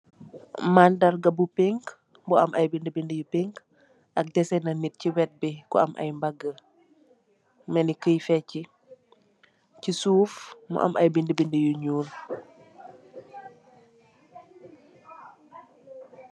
mandarrga bu pink bu am i binda, binda yu pink ak desseh na nit sey wet bi ku am i mbaga melni kui fecha. sey suuf mu am i bindi, bindi yu nyuul